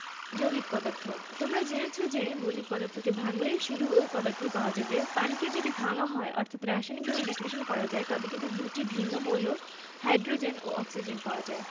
রুপা এবং লোহার ক্ষেত্রেও একই কথা প্রযোজ্য যে পদার্থকে ভাঙলে সেই পদার্থ ছাড়া অন্য কোনো পদার্থ পাওয়া যায় না তাকে মৌলিক পদার্থ বা মৌল বলে এরকম আরও কিছু মৌলের উদাহরণ হলো নাইট্রোজেন ফসফরাস কার্বন অক্সিজেন